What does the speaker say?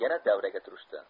yana davraga turishdi